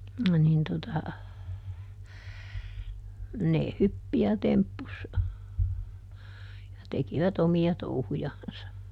niin tuota ne hyppi ja temppusi ja tekivät omia touhujansa